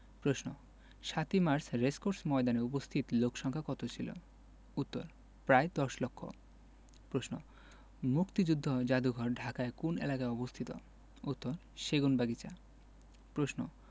প্রশ্ন ৭ই March racecourse ময়দানে উপস্থিত লোকসংক্ষা কত ছিলো উত্তর প্রায় দশ লক্ষ প্রশ্ন মুক্তিযুদ্ধ যাদুঘর ঢাকার কোন এলাকায় অবস্থিত উত্তরঃ সেগুনবাগিচা প্রশ্ন